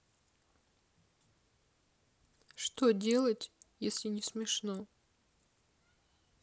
что делать если не смешно